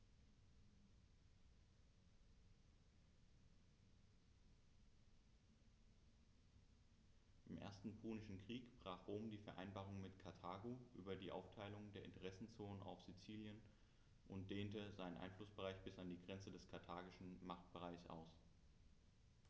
Im Ersten Punischen Krieg brach Rom die Vereinbarung mit Karthago über die Aufteilung der Interessenzonen auf Sizilien und dehnte seinen Einflussbereich bis an die Grenze des karthagischen Machtbereichs aus.